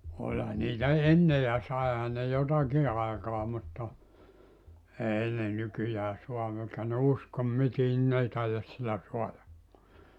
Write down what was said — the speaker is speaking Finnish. olihan niitä ennen ja saihan ne jotakin aikaan mutta ei ne nykyään saa eikä ne usko mitään niin ne ei taida sillä saadakaan